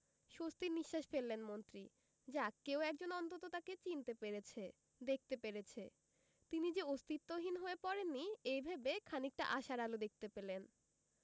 স্বস্তির নিশ্বাস ফেললেন মন্ত্রী যাক কেউ একজন অন্তত তাঁকে চিনতে পেরেছে দেখতে পেরেছে তিনি যে অস্তিত্বহীন হয়ে পড়েননি এই ভেবে খানিকটা আশার আলো দেখতে পেলেন